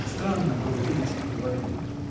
Странно было видеть их вдвоем.